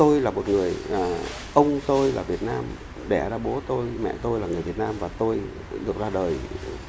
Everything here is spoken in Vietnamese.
tôi là một người ông tôi và việt nam đẻ ra bố tôi mẹ tôi là người việt nam và tôi cũng được ra đời